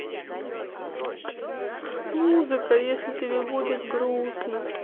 музыка если тебе будет грустно